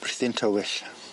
Brithyn tywyll.